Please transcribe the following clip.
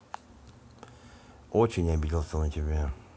очень обиделся на тебя